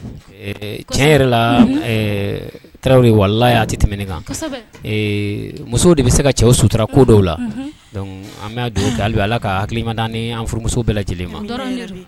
Tiɲɛ yɛrɛ laraww ye wala'a tɛ tɛmɛnɛna kan muso de bɛ se ka cɛw sutura ko dɔw la an bɛ don da ala ka hakili mada ni an furumuso bɛɛ lajɛlen ma